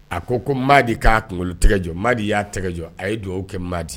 A ko ko maa di k'a kunkolo tɛgɛjɔ maa di y'a tɛgɛjɔ a ye dugawu kɛ maa di